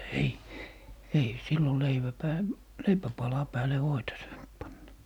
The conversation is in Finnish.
ei ei silloin leivän - leipäpalan päälle voita saanut panna